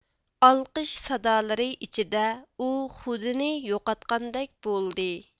ئالقىش سادالىرى ئىچىدە ئۇ خۇدىنى يوقاتقاندەك بولدى